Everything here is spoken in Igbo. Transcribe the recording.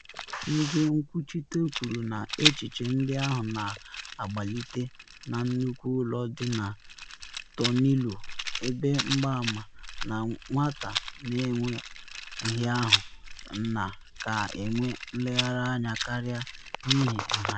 Ndị nkwuchite kwuru na echiche ndị ahụ na agbalite na nnukwu ụlọ dị ka Tornillo, ebe mgbama na nwata na enwe nhịahụ na ka enwe nleghara anya karịa, n’ihi nha ya.